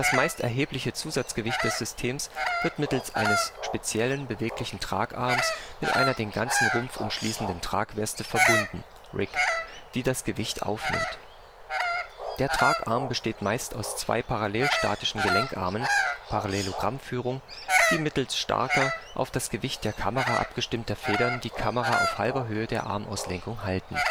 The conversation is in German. meist erhebliche) Zusatzgewicht des Systems wird mittels eines speziellen, beweglichen Tragarms mit einer den ganzen Rumpf umschließenden Tragweste verbunden (Rig), die das Gewicht aufnimmt. Der Tragarm besteht meist aus zwei parallelstatischen Gelenkarmen (Parallelogrammführung), die mittels starker auf das Gewicht der Kamera abgestimmter Federn die Kamera auf halber Höhe der Armauslenkung halten